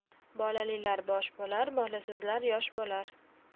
bolalilar bosh bo'lar bolasizlar yosh bo'lar